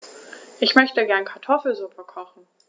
Ich möchte gerne Kartoffelsuppe kochen.